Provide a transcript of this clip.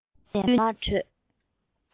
ལམ བུ བརྒྱུད ནས མར བྲོས